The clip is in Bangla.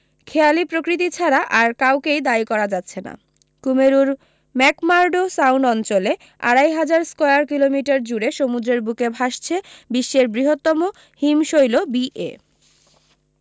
খেয়ালি প্রকৃতি ছাড়া আর কাউকেই দায়ী করা যাচ্ছে না কূমেরুর ম্যাকমারডো সাউন্ড অঞ্চলে আড়াই হাজার স্কোয়ার কিলোমিটার জুড়ে সমুদ্রের বুকে ভাসছে বিশ্বের বৃহত্তম হিমশৈল বিএ